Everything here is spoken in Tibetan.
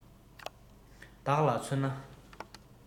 བདག ལ མཚོན ན